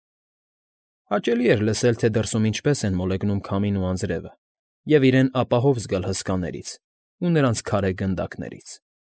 Հաճելի էր լսել, թե դրսում ինչպես են մոլեգնում քամին ու անձրևը, և իրեն ապահով զգալ հսկաներից ու նրանց քարե գնդակներից։